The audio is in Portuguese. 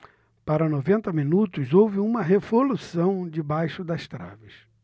para noventa minutos houve uma revolução debaixo das traves